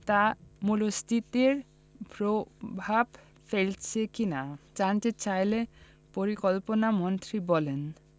তা মূল্যস্ফীতিতে প্রভাব ফেলছে কি না জানতে চাইলে পরিকল্পনামন্ত্রী বলেন